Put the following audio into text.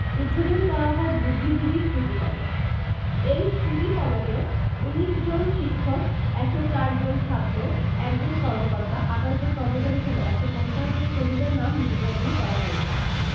উদ্বোধন করা হয় বুদ্ধিজীবী স্মৃতিফলক এই স্থিতিফলকে ১৯ জন শিক্ষক ১০৪ জন ছাত্র ১ জন কর্মকর্তা ২৮ জন কর্মচারীসহ ১৫০ জন শহীদের নাম লিপিবদ্ধ করা হয়েছে